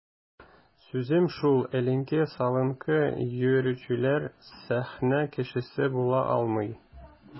Сүзем шул: эленке-салынкы йөрүчеләр сәхнә кешесе була алмый.